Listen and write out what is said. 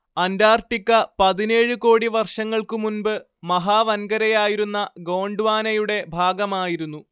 Antarctica പതിനേഴ് കോടി വർഷങ്ങൾക്ക് മുൻപ് മഹാ‌‌വൻകരയായിരുന്ന ഗോണ്ട്വാനയുടെ ഭാഗമായിരുന്നു